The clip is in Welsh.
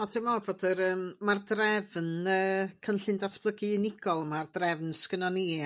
A dwi me'wl bod yr yym ma'r drefn yy cynllun datblygu unigol ma'r drefn sgynon nï